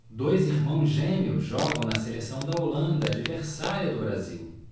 dois irmãos gêmeos jogam na seleção da holanda adversária do brasil